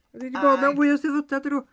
Dwi 'di bod... ac. ...mewn fwy o 'Steddfodau dydw?